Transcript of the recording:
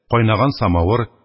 Кайнаган самавыр,